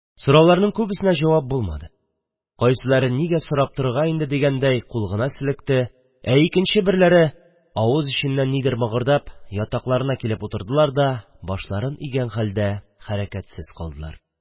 Сорауларның күбесенә җавап булмады: кайсылары, нигә сорап торырга инде дигәндәй, кул гына селекте, икенчеләре авыз эченнән нидер мыгырдап ятакларына килеп утырдылар да, башларын игән хәлдә хәрәкәтсез калдылар.